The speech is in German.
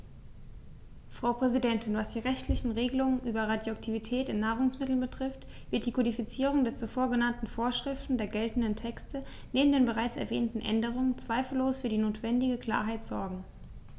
Frau Präsidentin, was die rechtlichen Regelungen über Radioaktivität in Nahrungsmitteln betrifft, wird die Kodifizierung der zuvor genannten Vorschriften der geltenden Texte neben den bereits erwähnten Änderungen zweifellos für die notwendige Klarheit sorgen.